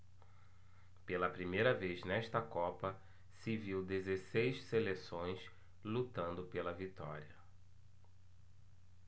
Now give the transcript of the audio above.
pela primeira vez nesta copa se viu dezesseis seleções lutando pela vitória